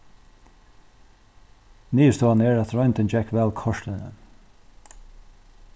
niðurstøðan er at royndin gekk væl kortini